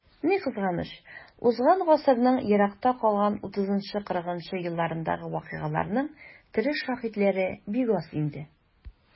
Ни кызганыч, узган гасырның еракта калган 30-40 нчы елларындагы вакыйгаларның тере шаһитлары бик аз инде.